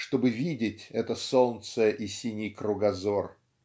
чтобы видеть это солнце и синий кругозор.